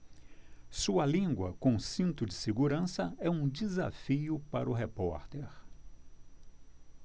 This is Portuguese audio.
sua língua com cinto de segurança é um desafio para o repórter